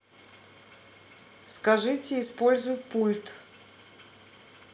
скажите используй пульт